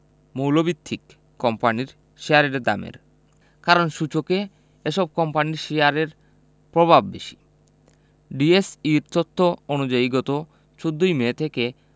মৌলভিত্তিক কোম্পানির শেয়ারের দামের কারণ সূচকে এসব কোম্পানির শেয়ারের প্রভাব বেশি ডিএসইর তথ্য অনুযায়ী গত ১৪ মে থেকে